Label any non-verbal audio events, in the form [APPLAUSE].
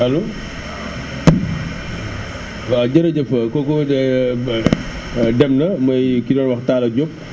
allo [NOISE] waaw jërëjëf kooku [HESITATION] [NOISE] dem na mooy ki doon wax Talla Diop [NOISE]